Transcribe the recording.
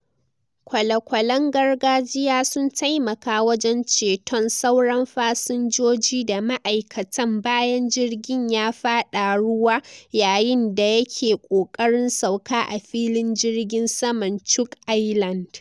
kwale-kwalen gargajiya sun taimaka wajen ceton sauran fasinjoji da ma'aikatan bayan jirgin ya fada ruwa yayin da yake ƙoƙarin sauka a filin jirgin saman Chuuk Island.